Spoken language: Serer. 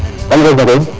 nam ŋesne koy